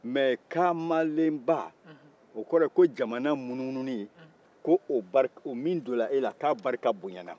mɛ ka ma le ba o kɔrɔ ye ko jamana munumununi o min donna e la ko a barika bonyana